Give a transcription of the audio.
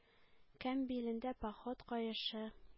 Кәм билендә поход каешы.